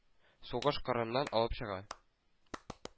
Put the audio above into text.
Сугыш кырыннан алып чыга.